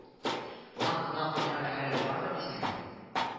Кунак-кунак уйнар әмәле булгандыр дисеңме